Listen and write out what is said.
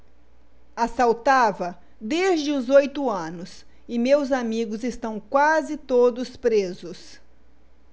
assaltava desde os oito anos e meus amigos estão quase todos presos